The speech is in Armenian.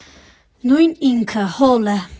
Նույն ինքը՝ հոլը։